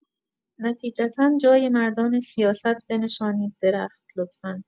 نتیجتا جای مردان سیاست بنشانید درخت، لطفا.